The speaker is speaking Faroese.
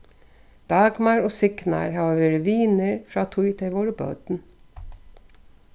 dagmar og signar hava verið vinir frá tí tey vóru børn